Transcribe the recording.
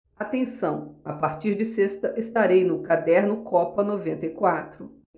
atenção a partir de sexta estarei no caderno copa noventa e quatro